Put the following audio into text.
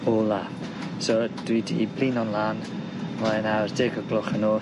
ola. So dwi 'di blino'n lân. Mae e nawr deg o'r gloch y nos yym